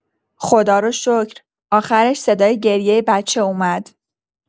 خدا رو شکر، آخرش صدای گریۀ بچه اومد.